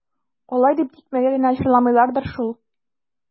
Алай дип тикмәгә генә җырламыйлардыр шул.